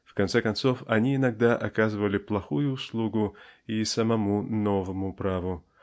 В конце концов они иногда оказывали плохую услугу и самому "новому праву"